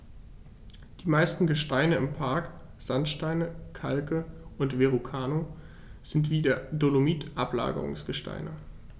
Die meisten Gesteine im Park – Sandsteine, Kalke und Verrucano – sind wie der Dolomit Ablagerungsgesteine.